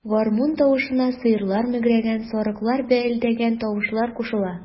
Гармун тавышына сыерлар мөгрәгән, сарыклар бәэлдәгән тавышлар кушыла.